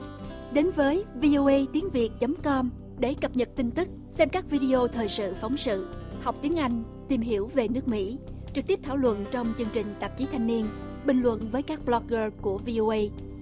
đến với vi âu ây tiếng việt chấm com để cập nhật tin tức xem các vi đi ô thời sự phóng sự học tiếng anh tìm hiểu về nước mỹ trực tiếp thảo luận trong chương trình tạp chí thanh niên bình luận với các bờ loóc gơ của vi âu ây